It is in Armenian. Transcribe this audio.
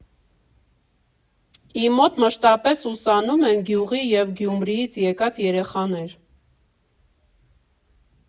Իր մոտ մշտապես ուսանում են գյուղի և Գյումրիից եկած երեխաներ։